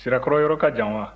sirakɔrɔ yɔrɔ ka jan wa